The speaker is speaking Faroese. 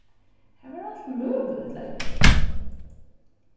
har var alt møguligt lekkurt